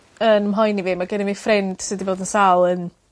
YN mhoeni fi ma' genno fi ffrind sy 'di bod yn sâl yn